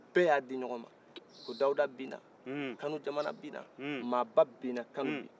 u bɛɛ y' a di ɲɔgɔn ma ko dawuda bina kanu jamana bina mɔgɔ ba bina kanu bi